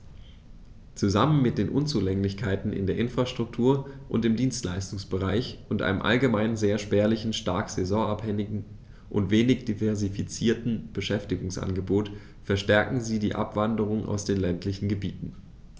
Zusammen mit den Unzulänglichkeiten in der Infrastruktur und im Dienstleistungsbereich und einem allgemein sehr spärlichen, stark saisonabhängigen und wenig diversifizierten Beschäftigungsangebot verstärken sie die Abwanderung aus den ländlichen Gebieten.